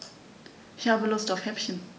Ich habe Lust auf Häppchen.